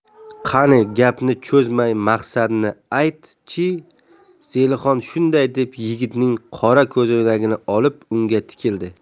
qani gapni cho'zmay maqsadni ayt chi zelixon shunday deb yigitning qora ko'zoynagini olib unga tikildi